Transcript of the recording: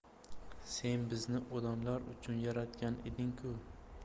sen bizni odamlar uchun yaratgan eding ku